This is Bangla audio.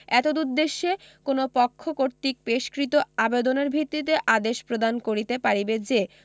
এতদুদ্দেশ্যে কোন পক্ষ কর্তৃক পেশকৃত আবেদনের ভিত্তিতে আদেশ প্রদান করিতে পারিবে যে